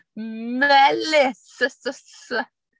Melys sy- sy- sy-!